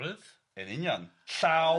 Yn union, llaw.